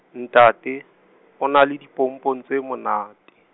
ntate , o na le dipompong tse monate.